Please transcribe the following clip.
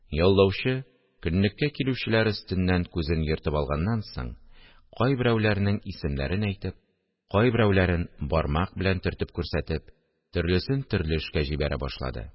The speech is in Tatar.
Яллаучы, көнлеккә килүчеләр өстеннән күзен йөртеп алганнан соң, кайберәүләрнең исемнәрен әйтеп, кайберәүләрен бармак белән төртеп күрсәтеп, төрлесен төрле эшкә җибәрә башлады